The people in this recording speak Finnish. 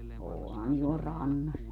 onhan tuolla rannassa